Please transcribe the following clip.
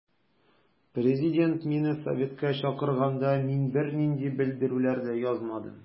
Президент мине советка чакырганда мин бернинди белдерүләр дә язмадым.